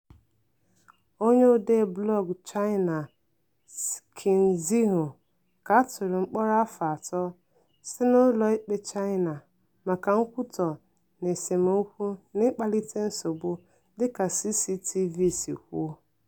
Onye odee blọgụ China Qin Zhihui ka a tụrụ mkpọrọ afọ atọ site n'ụlọikpe China maka "nkwutọ" na "esemokwu na ịkpalite nsogbu," dịka CCTV si kwuo.